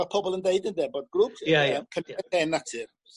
...ma' pobol yn deud ynde bo' grŵp... Ia ia. yym cym yy llên natur